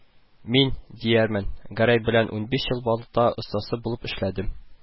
Мин, диярмен, Гәрәй белән унбиш ел балта остасы булып эшләдем